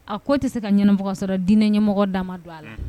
A ko tɛ se ka ɲɛnabɔ ka sɔrɔ dinɛ ɲɛmɔgɔ da ma don a la